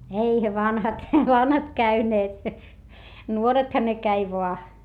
eihän vanhat vanhat käyneet nuorethan ne kävi vain